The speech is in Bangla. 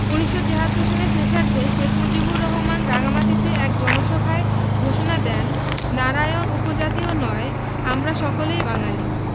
১৯৭৩ সনের শেষার্ধে শেখ মুজিবুর রহমান রাঙামাটিতে এক জনসভায় ঘোষণা দেন নারায়ণ উপজাতীয় নয় আমরা সকলেই বাঙালি